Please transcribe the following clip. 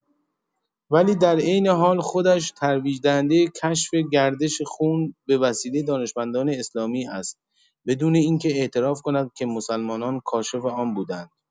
ولی در عین حال خودش ترویج دهنده کشف گردش خون به وسیله دانشمندان اسلامی است، بدون اینکه اعتراف کند که مسلمانان کاشف آن بوده‌اند.